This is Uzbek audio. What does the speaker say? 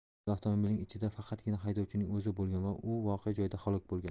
volga avtomobilining ichida faqatgina haydovchining o'zi bo'lgan va u voqea joyida halok bo'lgan